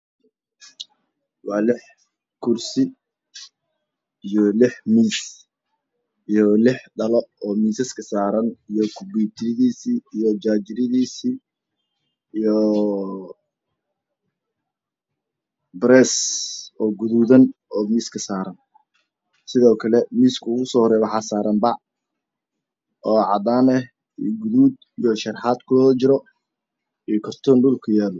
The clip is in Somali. Waa lix kursi io lix miis I lix dhalo io miisaska saaran io dhikumentiyadiisa io jaajaradiisa io barays guduudan oo miiska saaran sidoo kale miisaska ugu soo horeeyo wxaa saaran bac oo cadaan ah io guduud ah bio sharaxaad ku jira io kartoon dhulka yaalo